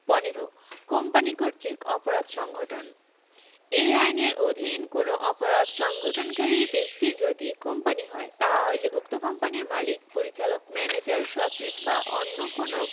১৫ company কর্র্তক অপরাধ সংঘটনঃ এই আইনের অধীন কোন অপরাধ সংঘটনকারী ব্যক্তি যদি কোম্পানী হয় তাহা হইলে উক্ত কোম্পানীর মালিক পরিচালক ম্যানেজার সচিব বা অন্য কোন